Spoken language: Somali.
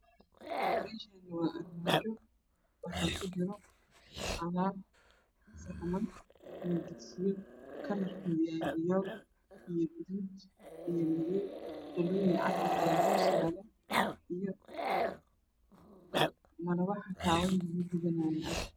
Meeshaani waa armaajo waxaa kujiro qudaar saxaman iyo digsiyo kalarkooda yahay viyool guduud madow dhalooyin cadcad ayaa horyalo iyo malawaxa daawada lagu dubanaayey ah